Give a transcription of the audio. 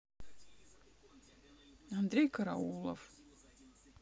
андрей караулов